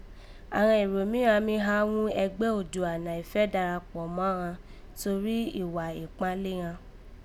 Àghan èrò mí há ghún ẹgbẹ́ Oòduà nàìfẹ́ darakpọ̀ má ghan torí tí ìwà ìpáǹle ghan